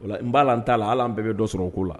Ola n b'a la n ta la hali an bɛɛ bi dɔ sɔrɔ o ko la